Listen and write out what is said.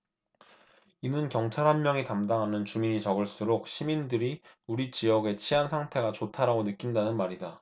이는 경찰 한 명이 담당하는 주민이 적을수록 시민들이 우리 지역의 치안 상태가 좋다라고 느낀다는 말이다